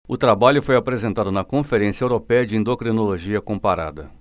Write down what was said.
o trabalho foi apresentado na conferência européia de endocrinologia comparada